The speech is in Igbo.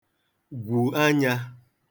gwù anyā